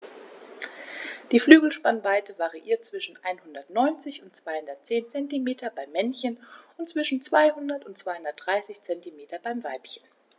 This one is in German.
Die Flügelspannweite variiert zwischen 190 und 210 cm beim Männchen und zwischen 200 und 230 cm beim Weibchen.